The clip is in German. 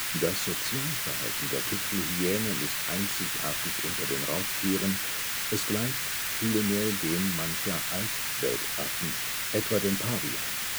Das Sozialverhalten der Tüpfelhyänen ist einzigartig unter den Raubtieren, es gleicht vielmehr dem mancher Altweltaffen, etwa den Pavianen